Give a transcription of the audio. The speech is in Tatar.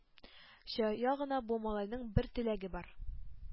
Чая гына бу малайның бер теләге бар —